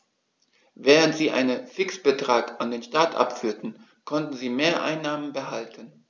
Während sie einen Fixbetrag an den Staat abführten, konnten sie Mehreinnahmen behalten.